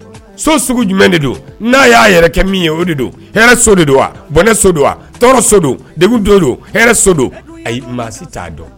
So sugu jumɛn de don n'a y' aa yɛrɛ kɛ min ye o de don de don bɔnɛ so don tɔɔrɔ so don de don so don a t'a dɔn